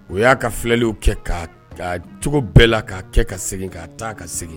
O y'a ka filɛliw kɛ ka ka cogo bɛɛ la ka kɛ ka segin ka taa ka segin.